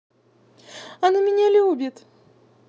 она меня любит